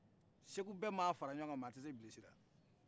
segu bɛ maa fara ɲɔgɔ kan maa tise bilisi la